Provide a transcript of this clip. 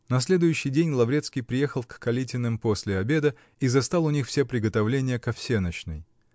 На следующий день Лаврецкий приехал к Калитиным после обеда и застал у них все приготовления ко всенощной.